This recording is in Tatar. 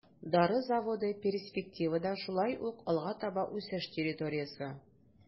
Дары заводы перспективада шулай ук алга таба үсеш территориясе.